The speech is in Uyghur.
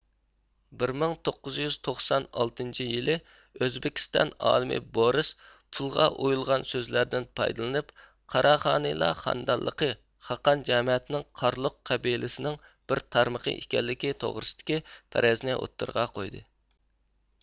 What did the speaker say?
بىر مىڭ توققۇزيۈز توقسان ئالتىنچى يىلى ئۆزبېكىستان ئالىمى بورس پۇلغا ئويۇلغان سۆزلەردىن پايدىلىنىپ قاراخانىيلار خانىدانلىقى خاقان جەمەتىنىڭ قارلۇق قەبىلىسىنىڭ بىر تارمىقى ئىكەنلىكى توغرىسىدىكى پەرەزنى ئوتتۇرىغا قويدى